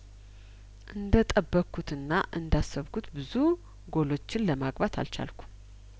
እንደ ጠበኩትና እንዳሰ ብኩት ብዙ ጐሎችን ለማግባት አልቻል ኩም